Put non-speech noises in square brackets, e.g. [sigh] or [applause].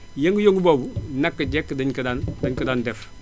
yëngu-yëngu boobu [noise] naka jekk dañu ko daan dañu ko daan def [noise]